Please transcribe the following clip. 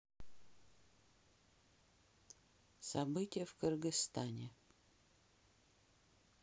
события в кыргызстане